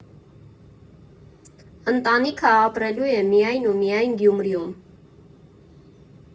Ընտանիքը ապրելու է միայն ու միայն Գյումրիում։